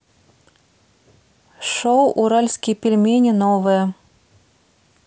шоу уральские пельмени новое